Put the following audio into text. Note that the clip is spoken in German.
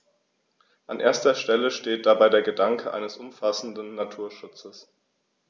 An erster Stelle steht dabei der Gedanke eines umfassenden Naturschutzes.